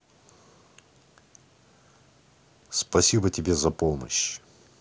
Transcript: спасибо тебе за помощь